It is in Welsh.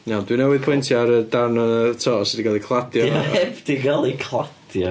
Iawn dwi'n newydd pwyntio ar y darn ar y to sy 'di cael eu cladio... Dydi o heb 'di cael ei cladio.